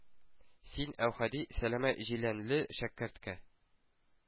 Син, Әүхәди,- сәләмә җиләнле шәкерткә